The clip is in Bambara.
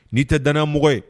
N'i tɛ danana mɔgɔ ye